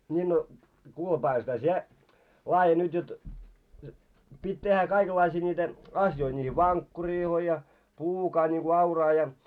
niin no kuule Paavali-setä sinä laadi nyt jotta piti tehdä kaikenlaisia niitä asioita niihin vankkureihin ja pluukaa niin kuin auraa ja